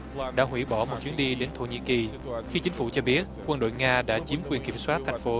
đã hủy bỏ một chuyến đi đến thổ nhĩ kỳ khi chính phủ cho biết quân đội nga đã chiếm quyền kiểm soát thành phố